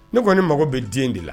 Ne kɔni ne mago bɛ den de la